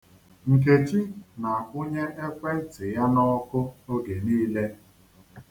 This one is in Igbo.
Nkechi na-akwụnye ekwentị ya n'ọkụ oge niile.